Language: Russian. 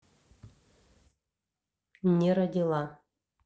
не родила